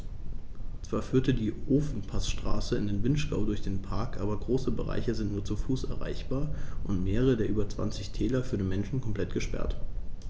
Zwar führt die Ofenpassstraße in den Vinschgau durch den Park, aber große Bereiche sind nur zu Fuß erreichbar und mehrere der über 20 Täler für den Menschen komplett gesperrt.